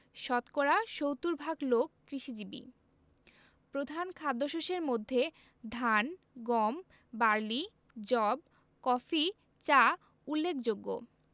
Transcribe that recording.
শতকরা ৭০ ভাগ লোক কৃষিজীবী প্রধান খাদ্যশস্যের মধ্যে ধান গম বার্লি যব কফি চা উল্লেখযোগ্য